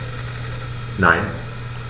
Nein.